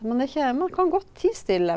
man er ikke man kan godt tie stille.